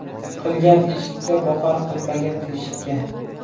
qilgan eshikka boqar qilmagan teshikka